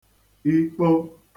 ikpō